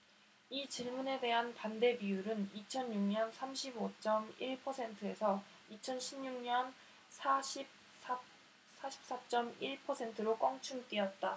이 질문에 대한 반대비율은 이천 육 년 삼십 오 쩜 일 퍼센트에서 이천 십 육 년 사십 사 쩜 일 퍼센트로 껑충 뛰었다